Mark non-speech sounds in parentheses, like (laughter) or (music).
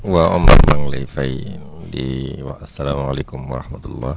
waaw Omar (noise) maa ngi lay fay di wax asalaamaaleykum wa rahmatulah